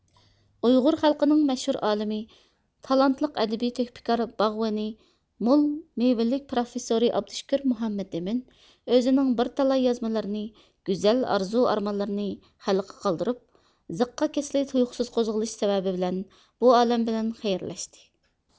ئۇيغۇر خەلقىنىڭ مەشھۇر ئالىمى تالانتلىق ئەدىبى تۆھپىكار باغۋېنى مول مېۋىلىك پروفېسورى ئابدۇشكۇر مۇھەممەد ئىمىن ئۆزىنىڭ بىر تالاي يازمىلىرىنى گۈزەل ئارزۇ ئارمانلىرىنى خەلقىگە قالدۇرۇپ زېققا كېسىلى تۇيۇقسىز قوزغىلىشى سەۋەبى بىلەن بۇ ئالەم بىلەن خەيرلەشتى